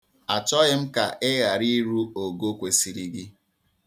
Achọghị m ka ị gharị iru ogo kwesịrị gị.